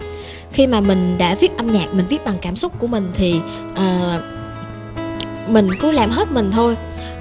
khi mà mình đã viết âm nhạc mình viết bằng cảm xúc của mình thì ờ mình cứ làm hết mình thôi